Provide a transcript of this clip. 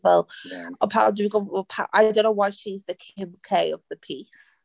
Fel o pawb dwi 'di gof- O paw- I don't know why she's the Kim K of the piece.